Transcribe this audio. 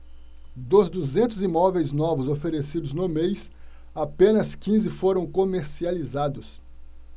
dos duzentos imóveis novos oferecidos no mês apenas quinze foram comercializados